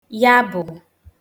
yabụ̀